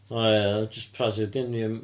O ia, jyst Praseodymium.